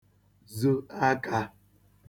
zo akā